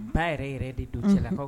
Ba yɛrɛ yɛrɛ de don cɛlakaw